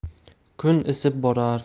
kun isib borar